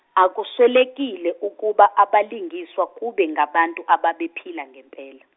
akuswelekile ukuba abalingiswa kube ngabantu ababephila ngempela.